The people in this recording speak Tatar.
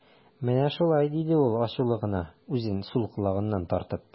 Менә шулай, - диде ул ачулы гына, үзен сул колагыннан тартып.